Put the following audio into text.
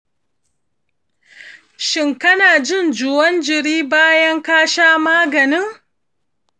shin kana jin juwan jiri bayan ka sha maganin?